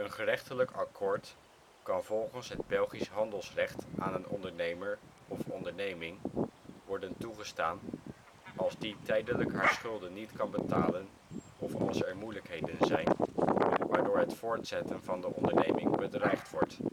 gerechtelijk akkoord kan volgens het Belgisch handelsrecht aan een ondernemer of onderneming worden toegestaan als die tijdelijk haar schulden niet kan betalen of als er moeilijkheden zijn, waardoor het voortzetten van de onderneming bedreigd wordt